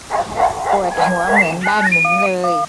ปวดหัวเหมือนบ้านหมุนเลย